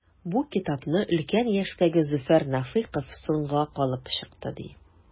Бу китапны өлкән яшьтәге Зөфәр Нәфыйков “соңга калып” чыкты, ди.